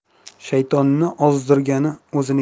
shaytonning ozdirgani o'ziniki